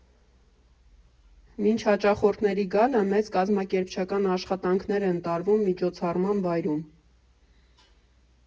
Մինչ հաճախորդների գալը մեծ կազմակերպչական աշխատանքներ են տարվում միջոցառման վայրում։